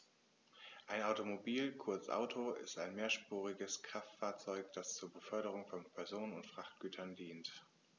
Ein Automobil, kurz Auto, ist ein mehrspuriges Kraftfahrzeug, das zur Beförderung von Personen und Frachtgütern dient.